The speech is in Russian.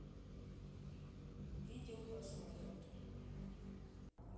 видео про самолеты